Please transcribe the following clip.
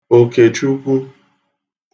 Òkèchukwu